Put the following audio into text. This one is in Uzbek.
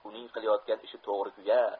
uning qilayotgan ishi to'g'riku ya